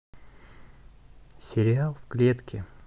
сериал в клетке